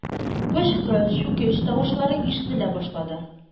Пычкы, чүкеч тавышлары ишетелә башлады.